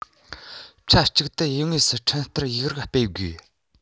ཆབས ཅིག ཏུ ཡུལ དངོས སུ ཁྲིམས བསྟར ཡིག རིགས སྤེལ དགོས